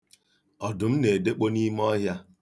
Ọdụm na-edekpo n'ime ọhịa.